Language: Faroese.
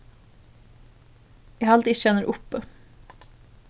eg haldi ikki hann er uppi